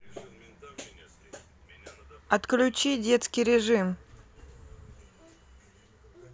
отключи детский режим